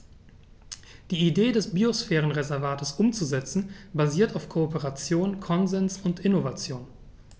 Die Idee des Biosphärenreservates umzusetzen, basiert auf Kooperation, Konsens und Innovation.